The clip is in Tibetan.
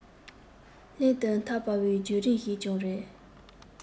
ལྷན དུ འཐབ པའི བརྒྱུད རིམ ཞིག ཀྱང རེད